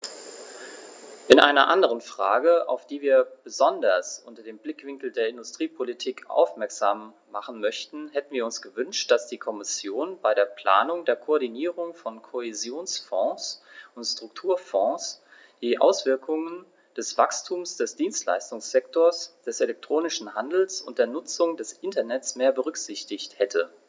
In einer anderen Frage, auf die wir besonders unter dem Blickwinkel der Industriepolitik aufmerksam machen möchten, hätten wir uns gewünscht, dass die Kommission bei der Planung der Koordinierung von Kohäsionsfonds und Strukturfonds die Auswirkungen des Wachstums des Dienstleistungssektors, des elektronischen Handels und der Nutzung des Internets mehr berücksichtigt hätte.